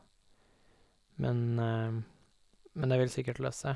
men Men det vil sikkert løse seg.